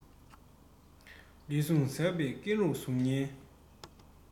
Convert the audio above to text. ལུས ཟུངས ཟད པའི ཀེང རུས གཟུགས བརྙན